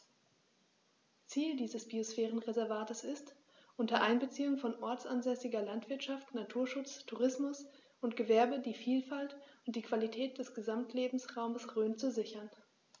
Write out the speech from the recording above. Ziel dieses Biosphärenreservates ist, unter Einbeziehung von ortsansässiger Landwirtschaft, Naturschutz, Tourismus und Gewerbe die Vielfalt und die Qualität des Gesamtlebensraumes Rhön zu sichern.